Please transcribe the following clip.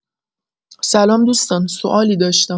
سلام دوستان، سوالی داشتم.